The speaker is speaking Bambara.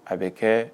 A bɛ kɛ